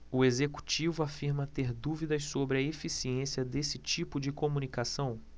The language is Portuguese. o executivo afirma ter dúvidas sobre a eficiência desse tipo de comunicação